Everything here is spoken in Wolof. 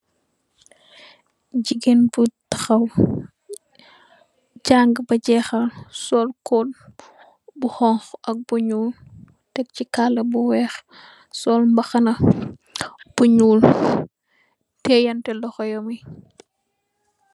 Jigéen bu tahaw, jàng ba jeh hal, sol coat bu honku ak bu ñuul, tek ci kala bu weeh sol mbahana bu ñuul tehwante loho am yi.